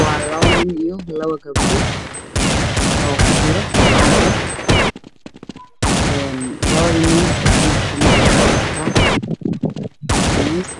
Wa labo nin gabdhood ku jiro carwo waxay labada nin wataan khamiis